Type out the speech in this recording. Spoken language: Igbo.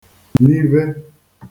nive